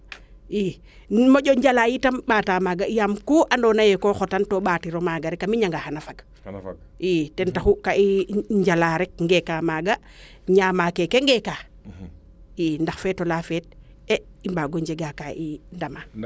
i moƴo njala yitam mbata yitam mbaata maaga yaam ku ando naye ko xotan to mbatiran maaga rek a miñanga xana fag i ten taxu i njala rek ngeeka maaga ñaama keeke ngeeka i ndax feetola feet i mbaago njega ndam